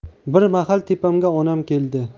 bir mahal tepamga onam keldi